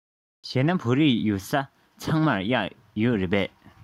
བྱས ན བོད རིགས ཡོད ས ཚང མར གཡག ཡོད རེད པས